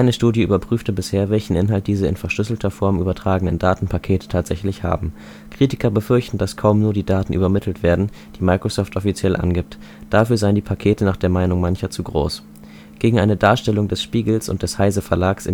Studie überprüfte bisher, welchen Inhalt diese in verschlüsselter Form übertragenen Datenpakete tatsächlich haben. Kritiker befürchten, dass kaum nur die Daten übermittelt werden, die Microsoft offiziell angibt; dafür seien die Pakete nach der Meinung mancher zu groß. Gegen eine Darstellung des Spiegels und des Heise-Verlags